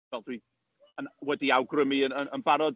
Wel, dwi yn... wedi awgrymu yn yn barod.